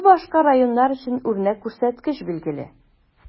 Бу башка районнар өчен үрнәк күрсәткеч, билгеле.